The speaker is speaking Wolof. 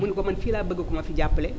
mu ne ko man fii laa bëgg ku ma fi jàppale